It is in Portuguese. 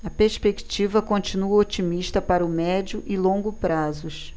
a perspectiva continua otimista para o médio e longo prazos